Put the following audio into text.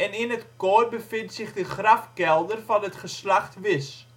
in het koor bevindt zich de grafkelder van het geslacht Wisch